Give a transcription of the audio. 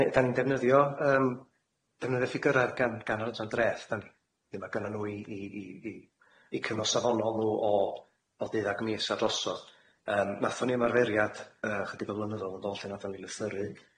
Ie 'dan ni'n 'dan ni'n defnyddio yym defnyddio ffigyra gan gan yr adran draeth 'dan ni- ma' gynno nw i i i i i cyfno' safonol nw o deuddag mis a drosodd yym natho ni ymarferiad yy chydig o flynyddodd yn dôl lle nathon ni lythyru